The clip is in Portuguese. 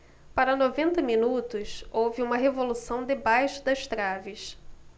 para noventa minutos houve uma revolução debaixo das traves